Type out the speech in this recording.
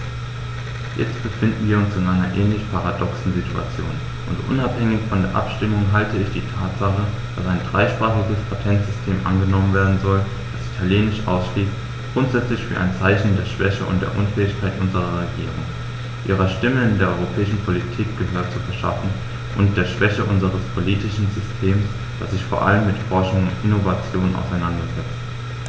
Jetzt befinden wir uns in einer ähnlich paradoxen Situation, und unabhängig von der Abstimmung halte ich die Tatsache, dass ein dreisprachiges Patentsystem angenommen werden soll, das Italienisch ausschließt, grundsätzlich für ein Zeichen der Schwäche und der Unfähigkeit unserer Regierung, ihrer Stimme in der europäischen Politik Gehör zu verschaffen, und der Schwäche unseres politischen Systems, das sich vor allem mit Forschung und Innovation auseinandersetzt.